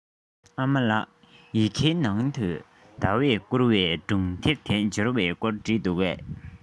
ཨ མ ལགས ཡི གེ ནང ཟླ བསྐུར བའི སྒྲུང དེབ དེ འབྱོར བའི སྐོར བྲིས འདུག གས